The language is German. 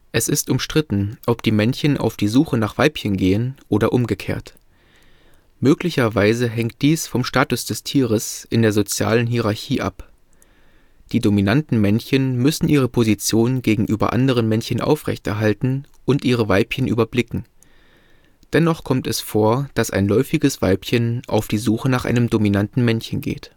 Es ist umstritten, ob die Männchen auf die Suche nach Weibchen gehen oder umgekehrt. Möglicherweise hängt dies vom Status des Tieres in der sozialen Hierarchie ab. Die dominanten Männchen müssen ihre Position gegenüber anderen Männchen aufrechterhalten und ihre Weibchen überblicken. Dennoch kommt es vor, dass ein läufiges Weibchen auf die Suche nach einem dominanten Männchen geht